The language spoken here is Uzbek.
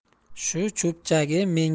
shu cho'pchagi menga